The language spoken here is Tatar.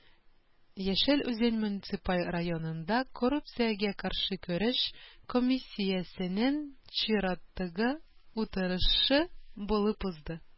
Яшел Үзән муниципаль районында коррупциягә каршы көрәш комиссиясенең чираттагы утырышы булып узды.